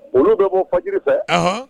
Olu bɛ bɔ faji fɛ